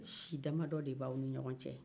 si damadɔ de bɛ aw ni ɲɔgɔn cɛ